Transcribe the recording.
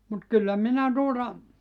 mutta kyllä minä tuota